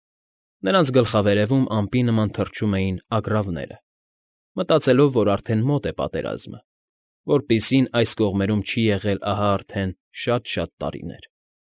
Նրանց գլխավերևում ամպի նման թռչում էին ագռավները, մտածելով, որ արդեն մոտ է պատերազմը, որպիսին այս կողմերում չի եղել ահա արդեն շատ֊շատ տարիներ։